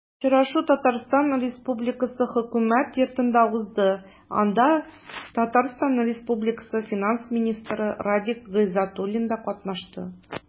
Очрашу Татарстан Республикасы Хөкүмәт Йортында узды, анда ТР финанс министры Радик Гайзатуллин да катнашты.